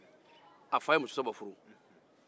a fa ye muso saba furu